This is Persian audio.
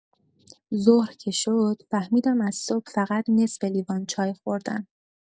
ظهر که شد، فهمیدم از صبح فقط نصف لیوان چای خوردم.